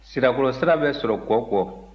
sirakɔrɔ sira bɛ sɔrɔ kɔ kɔ